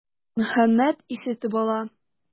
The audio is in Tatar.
Мөхәммәт ишетеп ала.